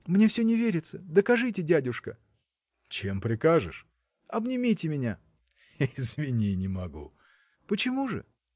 – Мне все не верится; докажите, дядюшка. – Чем прикажешь? – Обнимите меня. – Извини, не могу. – Почему же?